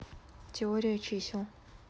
теория чисел